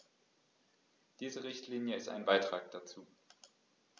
Diese Richtlinie ist ein Beitrag dazu.